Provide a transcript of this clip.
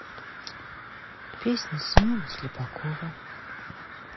песня семена слепакова